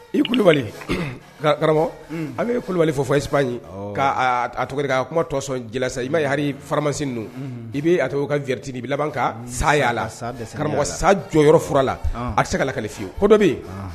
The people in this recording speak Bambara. I kulubali karamɔgɔ an bɛ kulubali fɔ ip k' a kuma tɔsɔn i b'a hali faramasi don i bɛ to ka vritiinin i laban ka saya la sa karamɔgɔ sa jɔ yɔrɔ fɔrala a bɛ se ka kalili fiye o kɔ dɔ bɛ yen